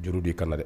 Juru d'i kan dɛ